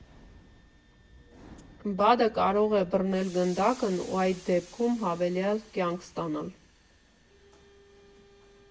Բադը կարող էր բռնել գնդակն ու այդ դեպքում հավելյալ «կյանք» ստանալ։